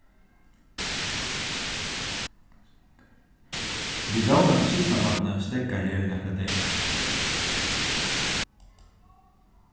vit vóna at systkinabarnið steðgar her í nakrar dagar